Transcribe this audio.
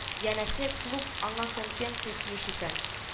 Янәсе, клуб аңа компенция тиеш икән